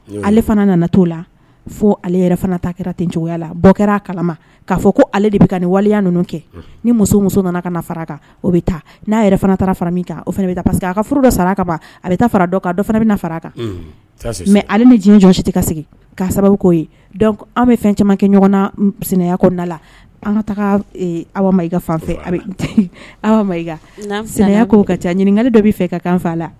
Ale fana nana'o la fo ale fana ta kɛra ten cogoyaya la kɛra kala'a fɔ ko ale de bɛ nin waliya ninnu kɛ ni muso muso nana ka na fara kan o bɛ taa n'a yɛrɛ fana fara min kan o fana bɛ taa que a ka furuda sara ka ban a bɛ taa fara dɔn kan fana bɛ fara kan mɛ ale ni jɔ si tɛ ka segin'a sababu ko an bɛ fɛn caman kɛ ɲɔgɔn na sinan ko na an aw ka fan sinan ko ka ca ɲininka dɔ bɛ fɛ ka kanfa la